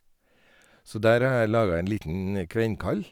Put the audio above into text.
Så der har jeg laga en liten kvernkall.